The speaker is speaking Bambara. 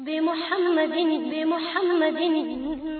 B halimadb halimad